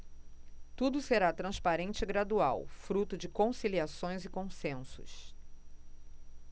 tudo será transparente e gradual fruto de conciliações e consensos